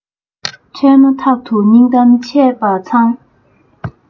འཕྲད མ ཐག ཏུ སྙིང གཏམ འཆད པ མཚང